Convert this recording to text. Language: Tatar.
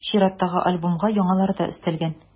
Чираттагы альбомга яңалары да өстәлгән.